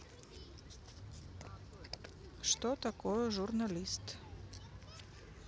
что такое журналист